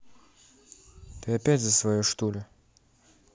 ты опять за свое что ли